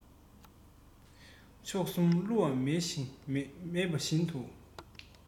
མཆོག གསུམ བསླུ བ མེད པའི ཞིང དུ